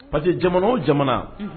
Pa que jamana o jamana